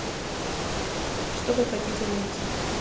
что вы хотите найти